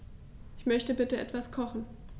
Ich möchte bitte etwas kochen.